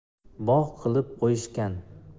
bog' qilib qo'yishgan